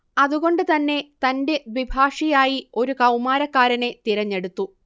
അതുകൊണ്ട് തന്നെ തന്റെ ദ്വിഭാഷിയായി ഒരു കൗമാരക്കാരനെ തിരഞ്ഞെടുത്തു